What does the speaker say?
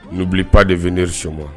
N'ubili pan de2ere sɔnɔn